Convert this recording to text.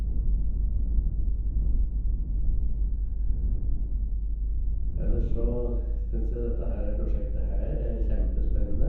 Ellers så syns jeg dette herre prosjektet her er kjempespennende.